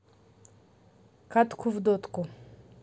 катку в дотку